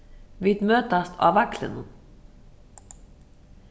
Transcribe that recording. vit møtast á vaglinum